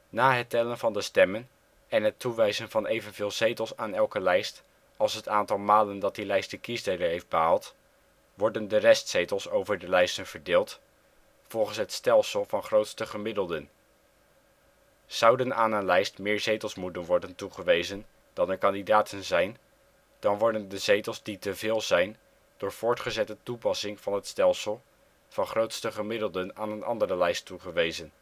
Na het tellen van de stemmen en het toewijzen van evenveel zetels aan elke lijst als het aantal malen dat die lijst de kiesdeler heeft behaald, worden de restzetels over de lijsten verdeeld volgens het stelsel van grootste gemiddelden. Zouden aan een lijst meer zetels moeten worden toegewezen dan er kandidaten zijn, dan worden de zetels die ' te veel ' zijn door voortgezette toepassing van het stelsel van grootste gemiddelden aan een andere lijst toegewezen